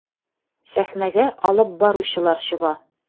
Сәхнәгә алып баручылар чыга.